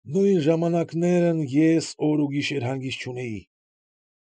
Նույն ժամանակներն ես օր ու գիշեր հանգիստ չունեի։